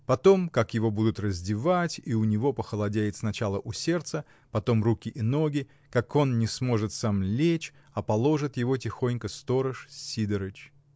Потом, как его будут раздевать и у него похолодеет сначала у сердца, потом руки и ноги, как он не сможет сам лечь, а положит его тихонько сторож Сидорыч.